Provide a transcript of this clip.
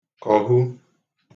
kọ̀hu